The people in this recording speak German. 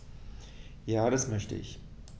Ja, das möchte ich.